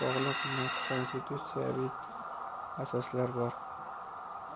bog'liq na konstitutsiyaviy asoslar bor